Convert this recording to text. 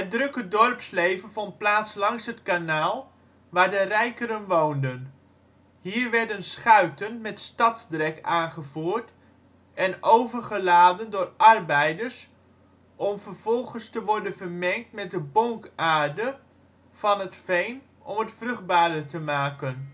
drukke dorpsleven vond plaats langs het kanaal, waar de rijkeren woonden. Hier werden schuiten met stadsdrek aangevoerd en overgeladen door arbeiders om vervolgens te worden vermengd met de bonkaarde (toplaag) van het veen om het vruchtbaarder te maken